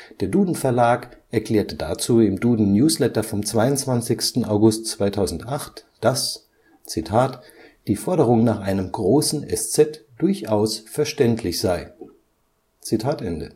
Der Dudenverlag erklärte dazu im Duden-Newsletter vom 22. August 2008, dass „ die Forderung nach einem großen Eszett durchaus verständlich “sei